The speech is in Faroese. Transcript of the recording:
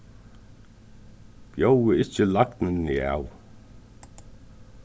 bjóðið ikki lagnuni av